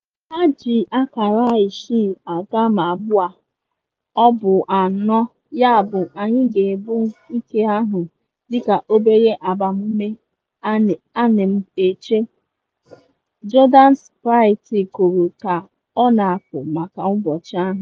“Ha ji akara isii aga ma ugbu a ọ bụ anọ, yabụ anyị ga-ebu nke ahụ dịka obere agbamume, a na m eche,” Jordan Spieth kwuru ka ọ na-apụ maka ụbọchị ahụ.